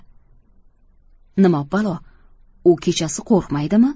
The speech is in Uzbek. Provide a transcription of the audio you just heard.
nima balo u kechasi qo'rqmaydimi